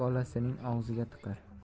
bolasining og'ziga tiqar